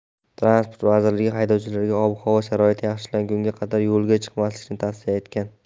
transport vazirligi haydovchilarga ob havo sharoiti yaxshilangunga qadar yo'lga chiqmasliklarini tavsiya etgan